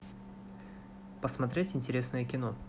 посмотреть интересное кино